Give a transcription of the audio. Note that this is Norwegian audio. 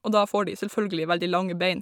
Og da får de selvfølgelig veldig lange bein.